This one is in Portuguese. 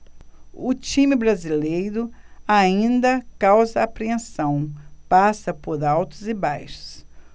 o time brasileiro ainda causa apreensão passa por altos e baixos